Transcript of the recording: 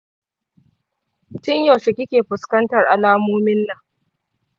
tin yaushe kike fuskantar alamomin nan?